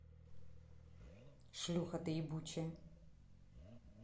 шлюха ты ебучая